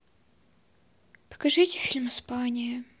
покажите фильм испания